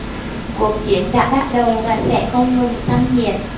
cuộc chiến đã bắt đầu và sẽ không ngừng tăng nhiệt